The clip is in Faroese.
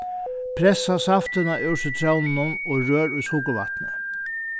pressa saftina úr sitrónunum og rør í sukurvatnið